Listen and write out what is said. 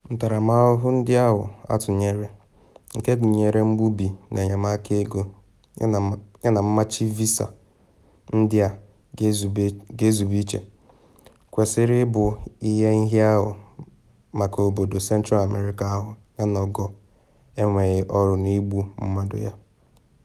Ntaramahụhụ ndị ahụ atụnyere, nke gụnyere mgbubi n’enyemaka ego yana mmachi visa ndị a ga-ezube iche, kwesịrị ịbụ ihe nhịahụ maka obodo Central America ahụ yana ogo enweghị ọrụ na igbu mmadụ ya.